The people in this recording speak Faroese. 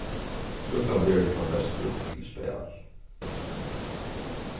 súkklan verður tá mest brúkt til spæl